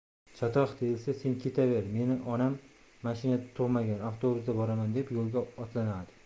chatoq deyilsa sen ketaver meni onam mashinada tug'magan avtobusda boraman deb yo'lga otlanadi